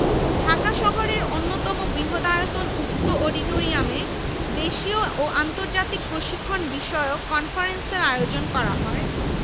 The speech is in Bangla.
প্রায় ৬ লক্ষ ৫০ হাজার এবং প্রাচীন পান্ডুলিপির সংখ্যা প্রায় ত্রিশ হাজার এছাড়া রয়েছে একটি বিজ্ঞান গ্রন্থাগার